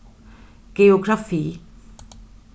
geografi